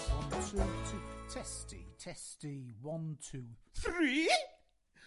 T- t- testing testing one, two, three.